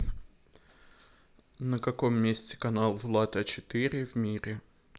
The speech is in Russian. на каком месте канал влад а четыре в мире